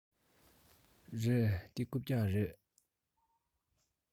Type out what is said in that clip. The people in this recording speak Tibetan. རེད འདི རྐུབ བཀྱག རེད